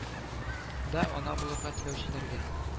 Да ана булырга теләүчеләргә